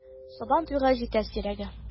Сабан туйга җитә сирәге!